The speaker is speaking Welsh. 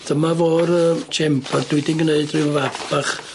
Dyma fo'r yy chamber dwi 'di gneud rhyw fap bach.